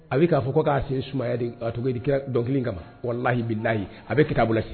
A bɛ k'a fɔ ko k'a sen sumaya de ka todi kɛ dɔnkili kama wala lahi bɛ nayi a bɛ ki bolo